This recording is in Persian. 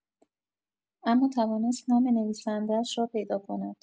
اما توانست نام نویسنده‌اش را پیدا کند.